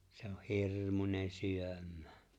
se on hirmuinen syömään